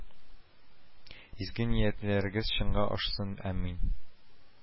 Изге ниятләрегез чынга ашсын, амин